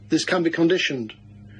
This can be conditioned.